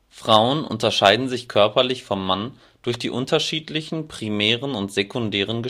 Frauen unterscheiden sich körperlich vom Mann durch die unterschiedlichen primären und sekundären